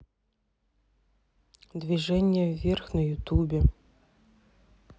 движение вверх на ютубе